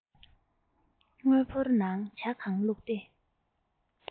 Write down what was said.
དངུལ ཕོར ནང ཇ གང བླུགས ཏེ